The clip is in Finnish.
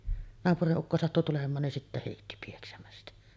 naapurin ukko sattui tulemaan niin sitten heitti pieksämästä